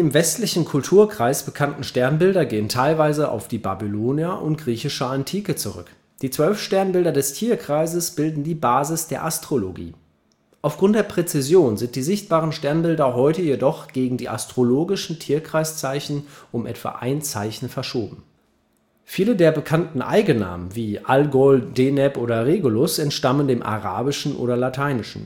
westlichen Kulturkreis bekannten Sternbilder gehen teilweise auf die Babylonier und die griechische Antike zurück. Die zwölf Sternbilder des Tierkreises bildeten die Basis der Astrologie. Aufgrund der Präzession sind die sichtbaren Sternbilder heute jedoch gegen die astrologischen Tierkreiszeichen um etwa ein Zeichen verschoben. Viele der heute bekannten Eigennamen wie Algol, Deneb oder Regulus entstammen dem Arabischen und Lateinischen